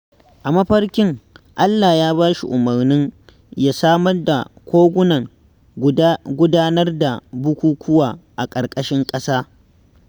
A mafarkin Allah Ya ba shi umarnin ya samar da kogunan gudanar da bukukuwa a ƙarƙashin ƙasa